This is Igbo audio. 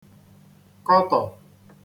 kọtọ̀